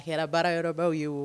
A kɛra baara yɔrɔbaw ye o